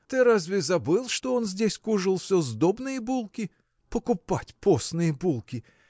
Ты разве забыл, что он здесь кушал всё сдобные булки? Покупать постные булки!